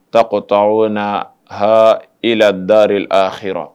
Taa kɔta o na ha e la dari a h